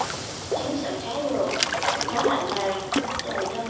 chính sự trái ngược thuế khóa nặng nề mất lòng dân